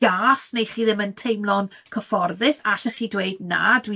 gas neu chi ddim yn teimlo'n cyfforddus allech chi dweud na